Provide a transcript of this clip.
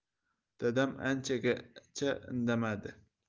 dadam anchagacha indamadi